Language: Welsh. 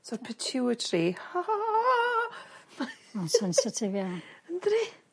So'r petruity hahahahah. Ma'n sensitif iawn. Yndydi?